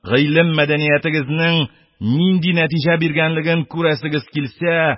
Ыйлем-мәдәниятегезнең нинди нәтиҗә биргәнлеген күрәсегез килсә,